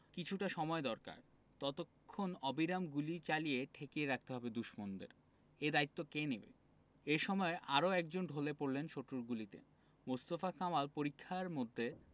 কিছুটা সময় দরকার ততক্ষণ অবিরাম গুলি চালিয়ে ঠেকিয়ে রাখতে হবে দুশমনদের এ দায়িত্ব কে নেবে এ সময় আরও একজন ঢলে পড়লেন শত্রুর গুলিতে মোস্তফা কামাল পরিক্ষার মধ্যে